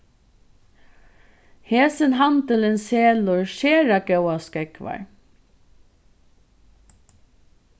hesin handilin selur sera góðar skógvar